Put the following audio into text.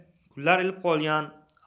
kunlar ilib qolgan